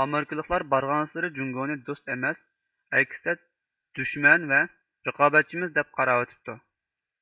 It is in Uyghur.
ئامېرىكىلىقلار بارغانسېرى جۇڭگونى دوست ئەمەس ئەكسىچە دۈشمەن ۋە رىقابەتچىمىز دەپ قاراۋېتىپتۇ